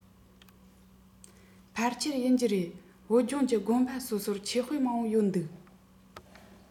ཕལ ཆེར ཡིན གྱི རེད བོད ལྗོངས ཀྱི དགོན པ སོ སོར ཆོས དཔེ མང པོ ཡོད འདུག